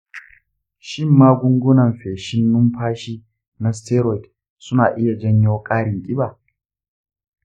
shin magungunan feshin numfashi na steroid suna iya janyo ƙarin ƙiba?